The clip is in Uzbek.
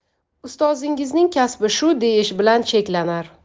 ustozingizning kasbi shu deyish bilan cheklanar